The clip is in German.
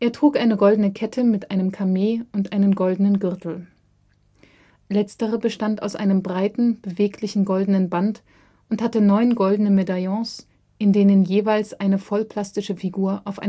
trug eine goldene Kette mit einer Kameo und einen goldenen Gürtel. Letzterer bestand aus einem breiten, beweglichen goldenen Band und hatte neun goldene Medaillons, in denen jeweils eine vollplastische Figur auf